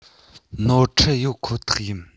ནོར འཁྲུལ ཡོད ཁོ ཐག ཡིན